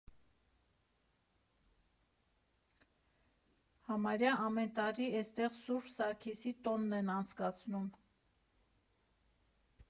Համարյա ամեն տարի էստեղ Սուրբ Սարգիսի տոնն են անց կացնում։